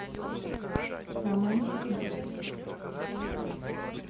романтика